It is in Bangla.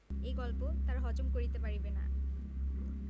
এই গল্প তারা হজম করিতে পারিবে না